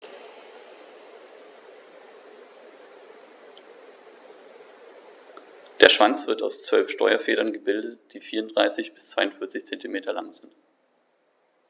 Der Schwanz wird aus 12 Steuerfedern gebildet, die 34 bis 42 cm lang sind.